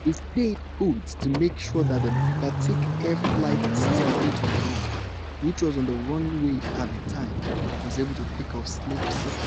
He stayed put to make sure that the Batik Air Flight 6321, which was on the runway at the time, was able to take off safely.